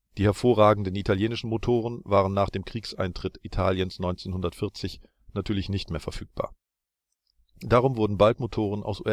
hervorragenden italienischen Motoren waren nach dem Kriegseintritt Italiens 1940 natürlich nicht mehr verfügbar, darum wurden bald Motoren aus